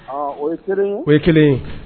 O ye kelen o ye kelen